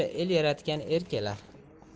el yaratgan er kelar